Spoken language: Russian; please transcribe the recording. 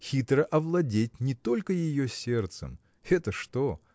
хитро овладеть не только ее сердцем – это что!